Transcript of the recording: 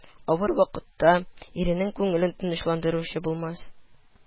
Авыр вакытта иренең күңелен тынычландыручы булмас